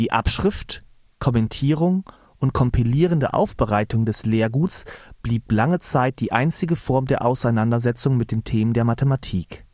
Abschrift, Kommentierung und kompilierende Aufbereitung des Lehrguts blieb lange Zeit die einzige Form der Auseinandersetzung mit den Themen der Mathematik